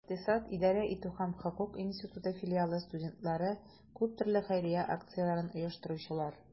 Икътисад, идарә итү һәм хокук институты филиалы студентлары - күп төрле хәйрия акцияләрен оештыручылар.